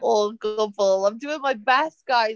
o gwbl. I'm doing my best guys.